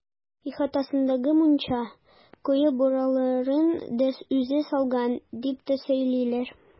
Ихатасындагы мунча, кое бураларын да үзе салган, дип тә сөйлиләр.